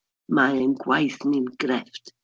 Mae ein gwaith ni'n grefft.